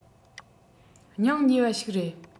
སྙིང ཉེ བ ཞིག རེད